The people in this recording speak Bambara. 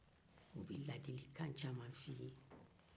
u be ladilikan caman fɔ i ye